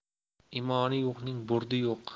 imoni yo'qning burdi yo'q